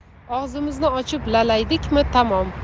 og'zimizni ochib lalaydikmi tamom